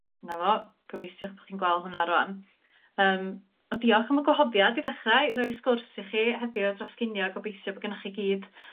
'na fo, gobeithio 'ych bo' chi'n gweld hwnna rŵan yym, wel diolch am y gwahoddiad i ddechra, i roi sgwrs i chi heddiw dros ginio, gobeithio bo' gennoch chi gyd